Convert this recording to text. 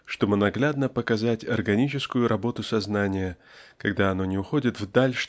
чтобы наглядно показать органическую работу сознания когда оно не уходит вдаль